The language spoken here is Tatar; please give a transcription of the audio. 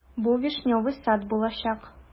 Бу "Вишневый сад" булачак.